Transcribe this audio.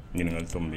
Ɲiniŋali tomi be ye